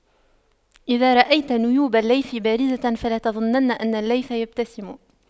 إذا رأيت نيوب الليث بارزة فلا تظنن أن الليث يبتسم